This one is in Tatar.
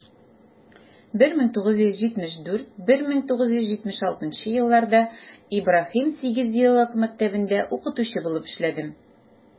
1974 - 1976 елларда ибраһим сигезьеллык мәктәбендә укытучы булып эшләдем.